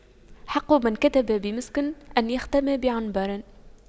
حق من كتب بمسك أن يختم بعنبر